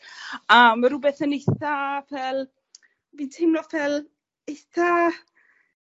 a ma' rwbeth yn eitha fel fi'n teimlo ffel eitha